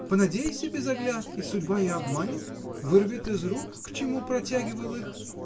Понадейся без оглядки — судьба и обманет, вырвет из рук, к чему протягивал их!